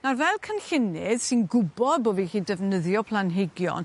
nawr fel cynllunydd sy'n gwbo bo' fi 'llu defnyddio planhigion